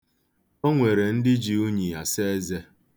O nwere ndị ji unyi asa eze.